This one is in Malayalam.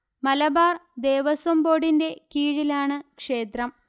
മലബാർ ദേവസ്വം ബോർഡിന്റെ കീഴിലാണ് ക്ഷേത്രം